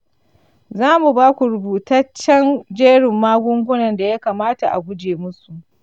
za mu ba ku rubutaccen jerin magungunan da ya kamata a guje musu.